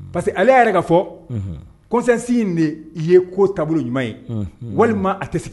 Parce que ale fɔ kosansin in de ye ko taabolo ɲuman ye walima a tɛ